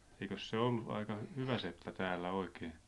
eikös se ollut aika hyvä seppä täällä oikein